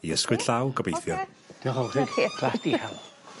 I ysgwyd llawn gobeithio. Oce. Diolch y' fawr chi. Blydi hell.